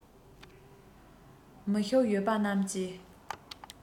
མི ཤུགས ཡོད པ རྣམས ཀྱིས